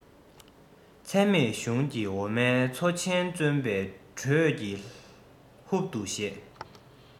ཚད མེད གཞུང ཀྱི འོ མའི མཚོ ཆེན བརྩོན པའི འགྲོས ཀྱིས ཧུབ ཏུ བཞེས